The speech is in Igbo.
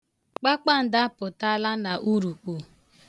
Kpakpando apụtala n'urukpu.